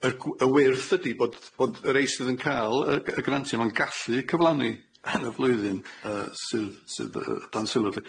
y wyrth ydi bod bod y rei sydd yn ca'l yy g- y grantia ma'n gallu cyflawni yn y flwyddyn yy sydd sydd yy dan sylw lly